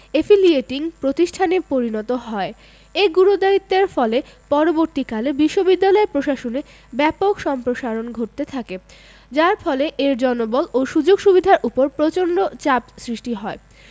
affiliating প্রতিষ্ঠানে পরিণত হয় এ গুরুদায়িত্বের ফলে পরবর্তীকালে বিশ্ববিদ্যালয় প্রশাসনে ব্যাপক সম্প্রসারণ ঘটতে থাকে যার ফলে এর জনবল ও সুযোগ সুবিধার ওপর প্রচন্ড চাপ সৃষ্টি হয়